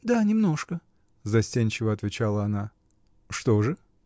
— Да. немножко, — застенчиво отвечала она. — Что же?